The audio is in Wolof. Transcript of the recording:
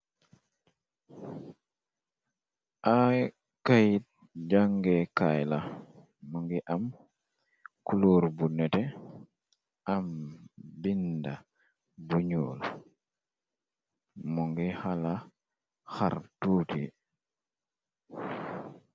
Ay kay jàngekaay la mu ngi am kuluor bu nete. Am binda bu ñuul mo ngi xala xar tuuti.